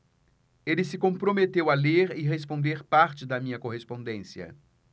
ele se comprometeu a ler e responder parte da minha correspondência